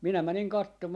minä menin katsomaan